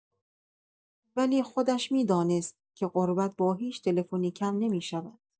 ولی خودش می‌دانست که غربت با هیچ تلفنی کم نمی‌شود.